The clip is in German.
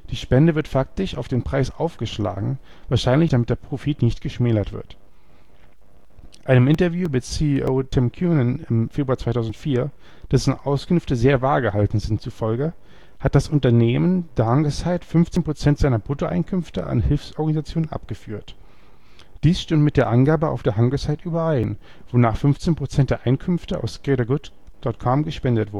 Spende wird faktisch auf den Preis aufgeschlagen, wahrscheinlich damit der Profit der Firma nicht geschmälert wird. Einem Interview mit CEO Tim Kunin im Februar 2004, dessen Auskünfte sehr vage gehalten sind, zufolge hat das Unternehmen The Hungersite 15 Prozent seiner Bruttoeinkünfte an Hilfsorganisationen abgeführt. Dies stimmt mit der Angabe auf der Hungersite überein, wonach 15 Prozent der Einkünfte aus GreaterGood.com gespendet